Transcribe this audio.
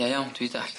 Ie iawn dwi dallt.